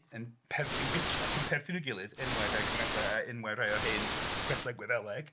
Yn perth- yn gytras... yn perthyn i'w gilydd, enwau rhai o'r cymeriadau a enwau rhai o'r hen chwedlau Gwyddeleg.